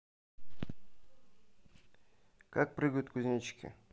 как прыгают кузнечики